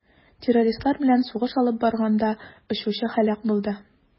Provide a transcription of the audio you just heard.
Террористлар белән сугыш алып барганда очучы һәлак булды.